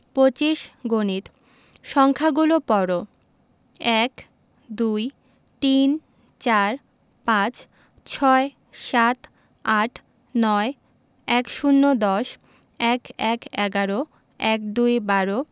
২৫ গণিত সংখ্যাগুলো পড়ঃ ১ - এক ২ - দুই ৩ - তিন ৪ – চার ৫ – পাঁচ ৬ - ছয় ৭ - সাত ৮ - আট ৯ - নয় ১০ – দশ ১১ - এগারো ১২ - বারো